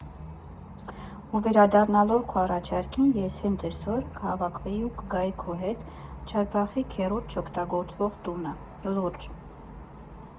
֊ Ու վերադառնալով քո առաջարկին՝ ես հենց էսօր կհավաքվեի ու կգայի քո հետ Չարբախի քեռուդ չօգտագործվող տունը, լուրջ։